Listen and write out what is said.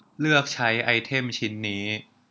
เลือกใช้ไอเทมชิ้นนี้